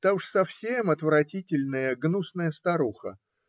та уж совсем отвратительная, гнусная старуха.